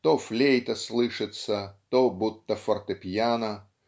то флейта слышится, то будто фортепьяно.